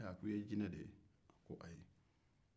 a ko i ye jinɛ de ye wa